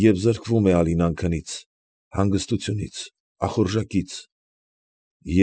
Եվ զրկվում է Ալինան քնից, հանգստությունից, ախորժակից։